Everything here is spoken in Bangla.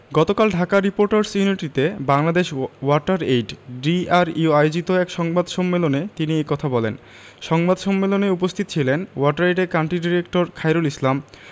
গতকাল ঢাকা রিপোর্টার্স ইউনিটিতে বাংলাদেশ ওয়াটার এইড ডিআরইউ আয়োজিত এক সংবাদ সম্মেলন তিনি এ কথা বলেন সংবাদ সম্মেলনে উপস্থিত ছিলেন ওয়াটার এইডের কান্ট্রি ডিরেক্টর খায়রুল ইসলাম